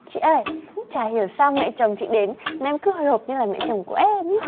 chị ơi chả hiểu sao mẹ chồng chị đến mà em cứ hồi hộp như là mẹ chồng của em ý